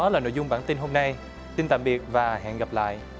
đó là nội dung bản tin hôm nay xin tạm biệt và hẹn gặp lại